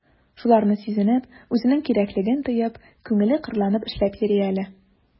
Шуларны сизенеп, үзенең кирәклеген тоеп, күңеле кырланып эшләп йөри әле...